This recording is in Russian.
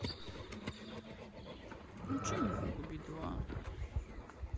включи музыку би два